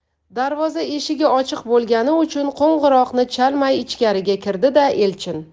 darvoza eshigi ochiq bo'lgani uchun qo'ng'iroqni chalmay ichkariga kirdi da elchin